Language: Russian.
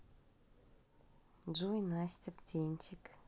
джой настя птенчик